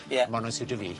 Ie. Ma' wnna'n siwtio fi.